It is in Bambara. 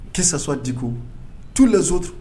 Tɛsasɔ diko tu lesotu